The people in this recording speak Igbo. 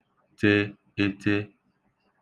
tē ētē